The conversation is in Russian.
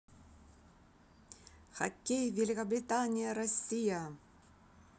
хоккей великобритания россия